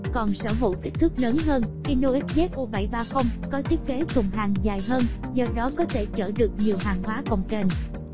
còn sở hữu kích kích thước lớn hơn hino xzu có thiết kế thùng hàng dài hơn do đó có thể chở được nhiều hàng hóa cồng kềnh